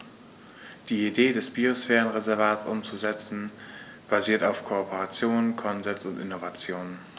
Die Idee des Biosphärenreservates umzusetzen, basiert auf Kooperation, Konsens und Innovation.